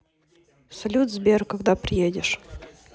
салют сбер когда приедешь